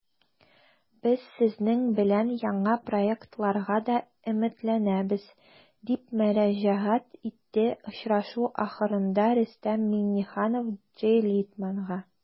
Без сезнең белән яңа проектларга да өметләнәбез, - дип мөрәҗәгать итте очрашу ахырында Рөстәм Миңнеханов Джей Литманга.